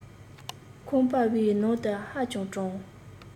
ཁང པའི ནང དུ ཧ ཅང གྲང